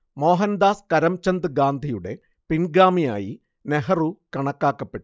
മോഹൻദാസ് കരംചന്ദ് ഗാന്ധിയുടെ പിൻഗാമിയായി നെഹ്രു കണക്കാക്കപ്പെട്ടു